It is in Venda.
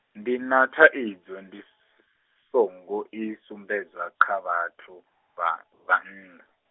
ndi na thaidzo ndi, songo i sumbedza kha vhathu, vha, vhannḓa.